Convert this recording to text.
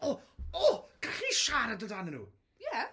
O! O! Gallwn ni siarad amdanyn nhw?... Ie.